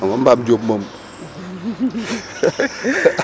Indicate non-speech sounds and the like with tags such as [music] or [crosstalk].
xam nga mbaam jóob moom [laughs]